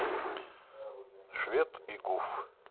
швед и гуф